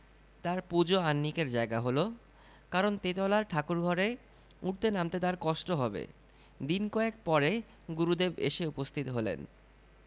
তাঁর পূজো আহ্নিকের জায়গা হলো কারণ তেতলার ঠাকুরঘরে উঠতে নামতে তাঁর কষ্ট হবে দিন কয়েক পরে গুরুদেব এসে উপস্থিত হলেন